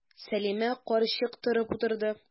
Сәлимә карчык торып утырды.